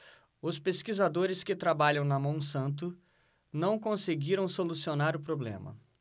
os pesquisadores que trabalham na monsanto não conseguiram solucionar o problema